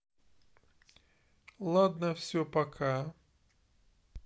ладно все пока